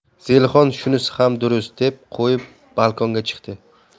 zelixon shunisi ham durust deb qo'yib balkonga chiqdi